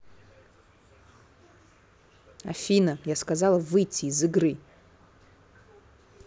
афина я сказала выйти из игры